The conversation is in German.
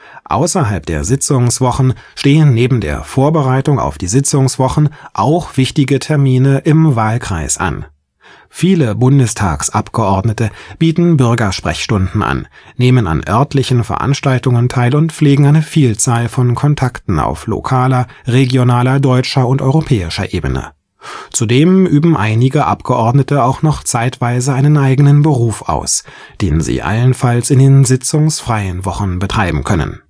Außerhalb der Sitzungswochen stehen neben der Vorbereitung auf die Sitzungswochen auch wichtige Termine im Wahlkreis an: Viele Bundestagsabgeordnete bieten Bürgersprechstunden an, nehmen an örtlichen Veranstaltungen teil und pflegen eine Vielzahl von Kontakten auf lokaler, regionaler, deutscher und europäischer Ebene. Zudem üben einige Abgeordnete auch noch zeitweise einen eigenen Beruf aus, den sie allenfalls in den sitzungsfreien Wochen betreiben können